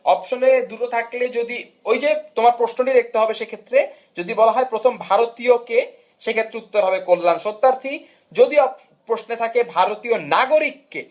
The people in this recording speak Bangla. অফারের জুতা থাকলে যদি ওই যে তোমার প্রশ্নের দেখতে হবে সেক্ষেত্রে তোমাকে দেখতে হবে যে প্রথম ভারতীয় কে সে ক্ষেত্রে উত্তর হবে কল্যান সত্যার্থী যদি প্রশ্ন থাকে ভারতীয় নাগরিক কে